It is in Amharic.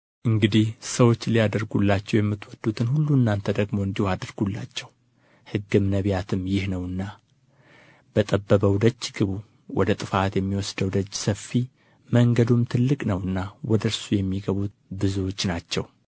እንግዲህ ሰዎች ሊያደርጉላችሁ የምትወዱትን ሁሉ እናንተ ደግሞ እንዲሁ አድርጉላቸው ሕግም ነቢያትም ይህ ነውና በጠበበው ደጅ ግቡ ወደ ጥፋት የሚወስደው ደጅ ሰፊ መንገዱም ትልቅ ነውና ወደ እርሱም የሚገቡ ብዙዎች ናቸው